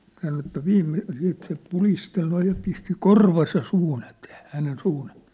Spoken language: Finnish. sanoi että - sitten se pudisteli noin ja pisti korvansa suun eteen hänen suun eteen